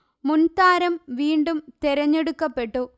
മുൻതാരം വീണ്ടും തെരഞ്ഞെടുക്കപ്പെട്ടു